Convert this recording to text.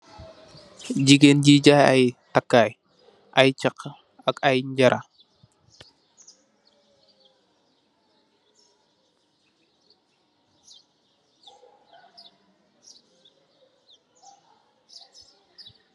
Jigéen juy jaay ay takaay, ak ay ñara.